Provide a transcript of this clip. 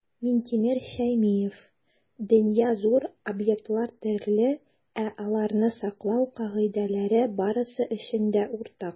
Минтимер Шәймиев: "Дөнья - зур, объектлар - төрле, ә аларны саклау кагыйдәләре - барысы өчен дә уртак".